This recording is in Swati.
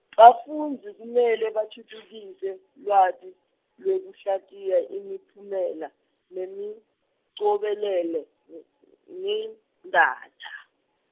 bafundzi kumele batfutfukise lwati lwekuhlatiya imiphumela nemicombelelo y- ngedatha.